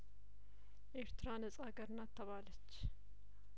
ኤርትራ ነጻ አገርናት ተባለች